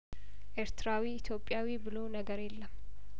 ኤርትራዊ ኢትዮጵያዊ ብሎ ነገር የለም